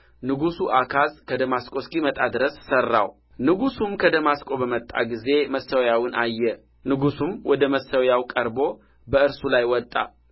ንጉሡ አካዝ ከደማስቆ እስኪመጣ ድረስ ሠራው ንጉሡም ከደማስቆ በመጣ ጊዜ መሠዊያውን አየ ንጉሡም ወደ መሠዊያው ቀርቦ በእርሱ ላይ ወጣ